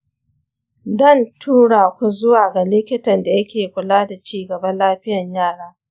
dan turaku zuwa ga likitan da yake kula da cigaba lafiyan yara.